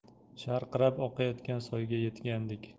sharqirab oqayotgan soyga yetgandik